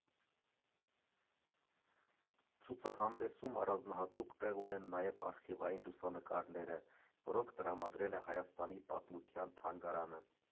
Ցուցահանդեսում առանձնահատուկ տեղ ունեն նաև արխիվային լուսանկարները, որոնք տրամադրել է Հայաստանի պատմության թանգարանը.